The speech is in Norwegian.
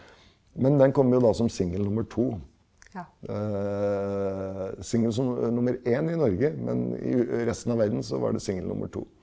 men den kom jo da som singel nummer to singel som nummer én i Norge, men i resten av verden så var det singel nummer to.